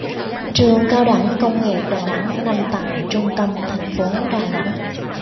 trường cao đẳng công nghệ đà nẵng nằm tại trung tâm thành phố đà nẵng